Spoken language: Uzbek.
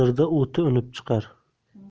da o'ti unib chiqar